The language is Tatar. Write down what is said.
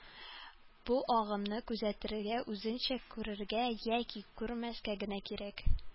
Бу агымны күзәтергә, үзеңчә күрергә, яки күрмәскә генә кирәк